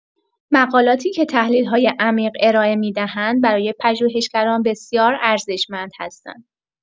مقالاتی که تحلیل‌های عمیق ارائه می‌دهند، برای پژوهشگران بسیار ارزشمند هستند.